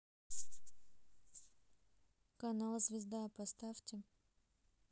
канал звезда поставьте